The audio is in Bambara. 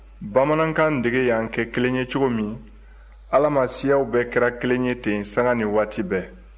bamanankan dege y'an kɛ kelen ye cogo min ala maa siyaw bɛɛ kɛra kelen ye ten sanga ni waati bɛɛ